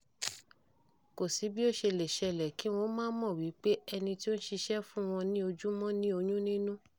Kò sí bí ó ṣe lè ṣẹlẹ̀ kí wọn ó máà mọ̀ wípé ẹni tí ó ń ṣiṣẹ́ fún wọn ní ojúmọ́ ní oyún ní inú.